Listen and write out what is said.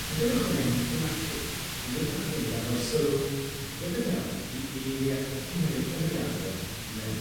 Meddyliwch yn fan hyn thematig. Newn ni edrych ar hyn gan roi sylw yn gyflym iawn i eirie y cymerie- cymeriade 'u hunen.